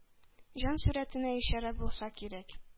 Җан сурәтенә ишарә булса кирәк...